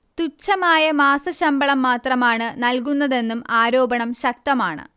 തുച്ഛമായ മാസശമ്പളം മാത്രമാണ് നൽകുന്നതെന്നും ആരോപണം ശക്തമാണ്